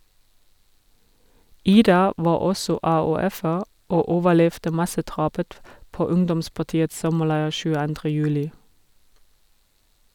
Ida var også AUF-er og overlevde massedrapet på ungdomspartiets sommerleir 22. juli.